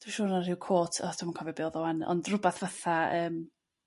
Dwi siŵr o' 'narhyw quote o dwi'm yn cofio be' o'dd o 'wan, ond rh'wbath fath a yrm